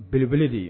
Belebeledi